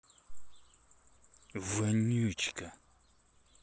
вонючка